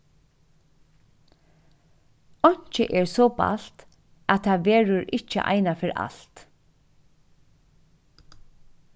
einki er so balt at tað verður ikki eina ferð alt